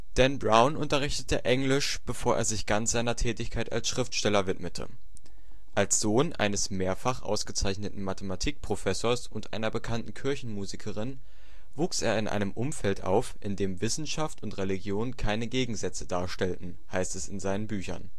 Dan Brown unterrichtete Englisch, bevor er sich ganz seiner Tätigkeit als Schriftsteller widmete. Als Sohn eines mehrfach ausgezeichneten Mathematikprofessors und einer bekannten Kirchenmusikerin wuchs er in einem Umfeld auf, in dem Wissenschaft und Religion keine Gegensätze darstellten (heisst es in seinen Büchern